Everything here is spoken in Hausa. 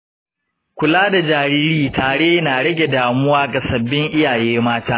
kula da jariri tare na rage damuwa ga sabbin iyaye mata.